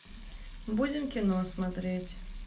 будем кино смотреть